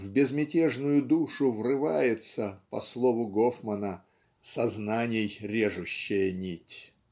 в безмятежную душу врывается по слову Гофмана "сознаний режущая нить".